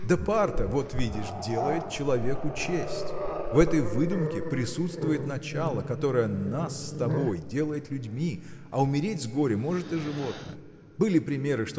да пар-то, вот видишь, делает человеку честь. В этой выдумке присутствует начало которое нас с тобой делает людьми а умереть с горя может и животное. Были примеры